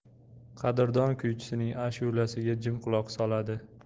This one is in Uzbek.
qadrdon kuychisining ashulasiga jim quloq soladi